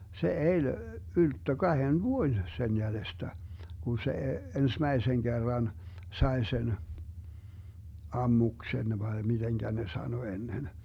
se eli ylttö kahden vuoden sen jäljestä kun se ensimmäisen kerran sai sen ammuksen vai miten ne sanoi ennen